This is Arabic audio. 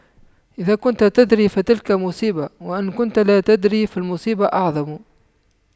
إذا كنت تدري فتلك مصيبة وإن كنت لا تدري فالمصيبة أعظم